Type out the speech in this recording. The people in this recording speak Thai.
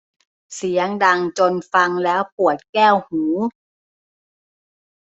เสียงดังจนฟังแล้วปวดแก้วหู